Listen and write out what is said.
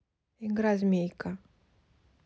игра змейка